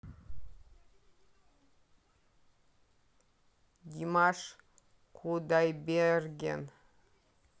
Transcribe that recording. димаш кудайберген